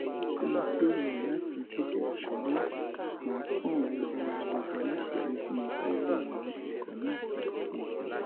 ’’Kìí ṣe ohun tí ó rọrùn láti débẹ̀, ṣùgbọ́n máa kan wo ara mi bí aláṣeyorí bi mo bá lè mú ikọ̀ náà padà sí ipò wọn’’